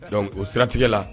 Dɔnku o siratigɛ la